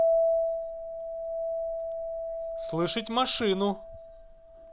слышать машину